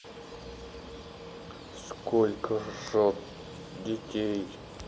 сколько жрет детей